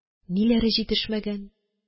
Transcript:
Ниләре җитешмәгән